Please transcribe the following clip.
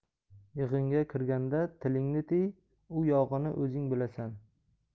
yig'inga kirganda tilingni tiy u yog'ini o'zing bilasan